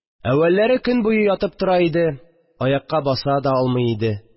Әүвәлләре көн буе ятып тора иде, аякка баса да алмый иде